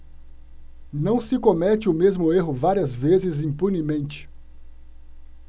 não se comete o mesmo erro várias vezes impunemente